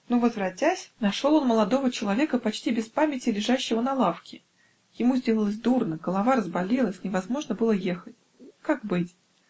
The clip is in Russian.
но, возвратясь, нашел он молодого человека почти без памяти лежащего на лавке: ему сделалось дурно, голова разболелась, невозможно было ехать. Как быть!